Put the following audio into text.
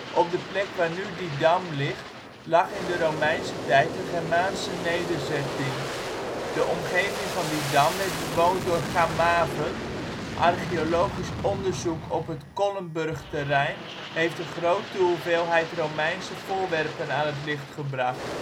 Op de plek waar nu Didam ligt, lag in de Romeinse tijd een Germaanse nederzetting. De omgeving van Didam werd bewoond door Chamaven. Archeologisch onderzoek op het Kollenburg-terrein heeft een grote hoeveelheid Romeinse voorwerpen aan het licht gebracht